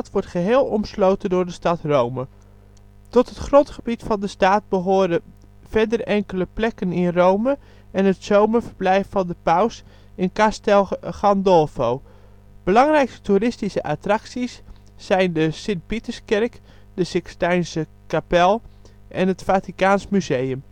wordt geheel omsloten door de stad Rome; tot het grondgebied van de staat behoren verder enkele plekken in Rome en het zomerverblijf van de paus in Castel Gandolfo. Belangrijkste toeristische attracties zijn de Sint Pieterskerk, de Sixtijnse kapel en het Vaticaans museum